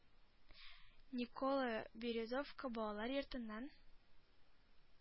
Николо-Березовка балалар йортыннан